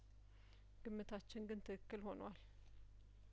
ግምታችን ግን ትክክል ሆኗል